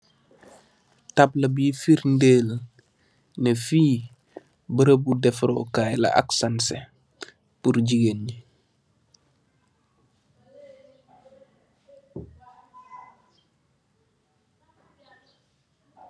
Tabla bi firdel ne fii baerabu dafaroo kay la ak sanjseh por jigeeni